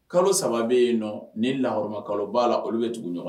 Kalo saba bɛ yen nɔ ni laharama kalo b'a la olu bɛ tugu ɲɔgɔn